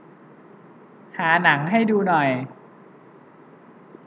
หาหนังให้ดูหน่อย